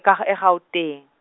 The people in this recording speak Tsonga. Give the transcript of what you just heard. ka G-, e- Gauteng.